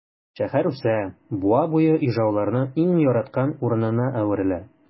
Шәһәр үсә, буа буе ижауларның иң яраткан урынына әверелә.